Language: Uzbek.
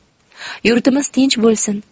yurtimiz tinch bo'lsin